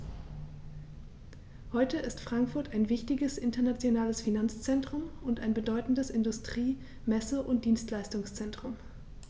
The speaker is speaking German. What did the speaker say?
Heute ist Frankfurt ein wichtiges, internationales Finanzzentrum und ein bedeutendes Industrie-, Messe- und Dienstleistungszentrum.